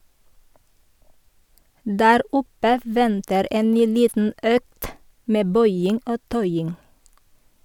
Der oppe venter en ny liten økt med bøying og tøying.